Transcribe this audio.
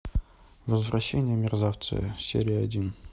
возвращение мерзавца серия один